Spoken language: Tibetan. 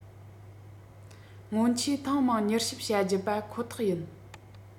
སྔོན ཆད ཐེངས མང མྱུལ ཞིབ བྱ རྒྱུ པ ཁོ ཐག ཡིན